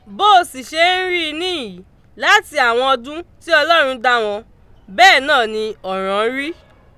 Bó o sì ṣe ń rí i níhìn ín láti àwọn ọdún tí Ọlọ́run dá wọn, bẹ́ẹ̀ náà ni ọ̀rán rí.